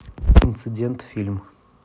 инцидент фильм